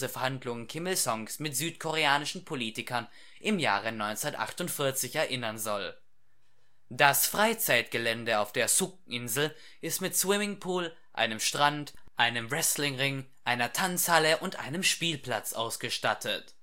Verhandlungen Kim Il Sungs mit südkoreanischen Politikern im Jahre 1948 erinnern soll. Das Freizeitgelände auf der Ssuk-Insel ist mit Swimming Pool, einem Strand, einem Wrestling-Ring, einer Tanzhalle und einem Spielplatz ausgestattet